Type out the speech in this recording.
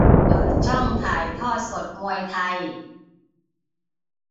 เปิดช่องถ่ายทอดสดมวยไทย